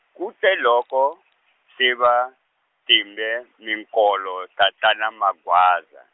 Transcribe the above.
kute loko, ti va, tlimbe, minkolo tatana Magwaza.